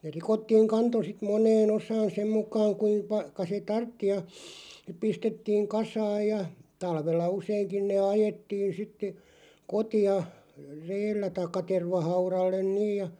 ne rikottiin kanto sitten moneen osaan sen mukaan -- kuinka se tarvitsi ja sitten pistettiin kasaan ja talvella useinkin ne ajettiin sitten kotiin reellä tai tervahaudalle niin ja